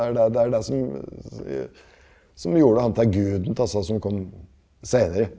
det er det det er det som som gjorde han til guden til disse som kom seinere.